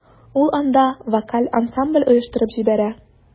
Ул анда вокаль ансамбль оештырып җибәрә.